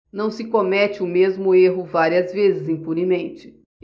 não se comete o mesmo erro várias vezes impunemente